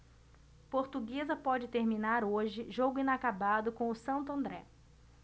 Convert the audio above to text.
portuguesa pode terminar hoje jogo inacabado com o santo andré